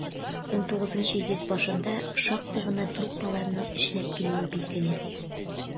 XIX йөз башында шактый гына труппаларның эшләп килүе билгеле.